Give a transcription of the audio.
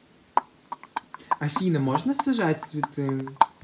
афина можно сажать цветы